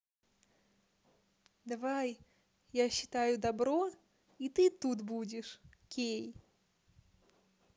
давай я считаю добро и ты тут будешь кей